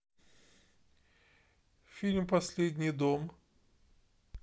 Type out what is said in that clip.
фильм последний дом